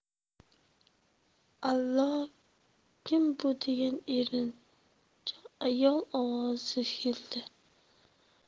allo kim bu degan erinchoq ayol ovozi keldi